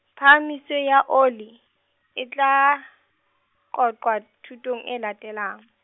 phahamiso ya oli, e tla, qoqwa, thutong e latelang.